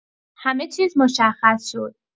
همه چیز مشخص شد.